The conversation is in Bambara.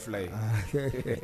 Fila ye